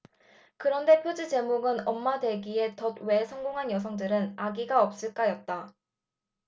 그런데 표지 제목은 엄마 되기의 덫 왜 성공한 여성들은 아이가 없을까였다